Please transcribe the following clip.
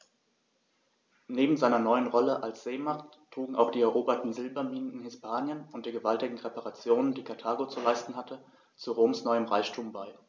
Neben seiner neuen Rolle als Seemacht trugen auch die eroberten Silberminen in Hispanien und die gewaltigen Reparationen, die Karthago zu leisten hatte, zu Roms neuem Reichtum bei.